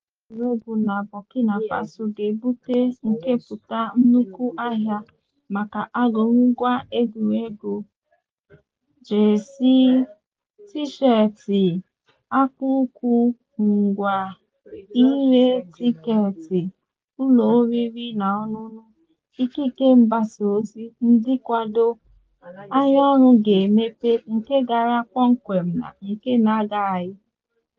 Mwulite egwuruegwu na Burkina Faso ga-ebute nkepụta nnukwu ahịa maka akụrụngwa egwuruegwu (jerseys, T-shirts, akpụkpọụkwụ, ngwa), ire tikeeti, ụlọoriri na ọṅụṅụ, ikike mgbasaozi, ndị nkwado ... Ahịa ọrụ ga-emepe, nke gara kpọmkwem na nke na-agaghị.